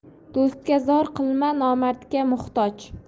do'stga zor qilma nomardga muhtoj